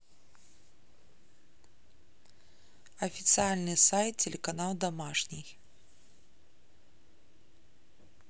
официальный сайт телеканал домашний